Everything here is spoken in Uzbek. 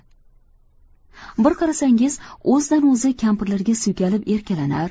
bir qara sangiz o'zidan o'zi kampirlarga suykalib erkalanar